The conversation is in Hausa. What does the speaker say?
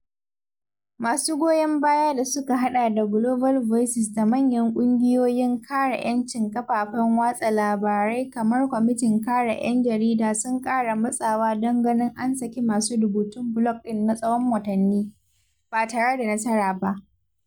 Masu goyon baya da suka haɗa da Global Voices da manyan ƙungiyoyin kare 'yancin kafafen watsa labarai kamar Kwamitin Kare ‘Yan Jarida sun ƙara matsawa don ganin an saki masu rubutun blog ɗin na tsawon watanni, ba tare da nasara ba.